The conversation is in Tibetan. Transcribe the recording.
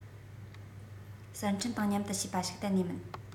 གསར འཕྲིན དང མཉམ དུ བྱས པ ཞིག གཏན ནས མིན